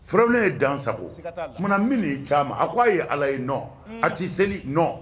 Furamin ye dansa tumana min caman a k ko a ye ala ye nɔ a tɛ seli nɔ